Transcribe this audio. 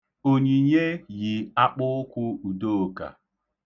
Onyinye yi akpụụkwụ Udoka.